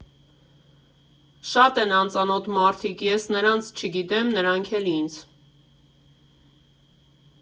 Շատ են անծանոթ մարդիկ՝ ես նրանց չգիտեմ, նրանք էլ՝ ինձ։